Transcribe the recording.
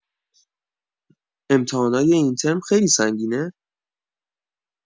امتحانای این ترم خیلی سنگینه؟